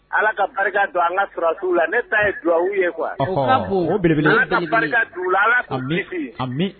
Ala ka barika don an ka sɔrɔdasiw la, ne ta ye duwawu ye quoi . Ɔnhɔn! O ka bon. O ye belebele ye. Ala ka barika d'u la, Ala k'u kisi. Ami, ami